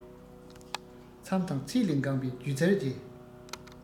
མཚམས དང ཚད ལས འགངས པའི སྒྱུ རྩལ གྱི